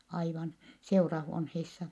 aivan seurahuoneissa